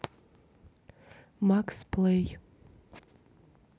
макс плей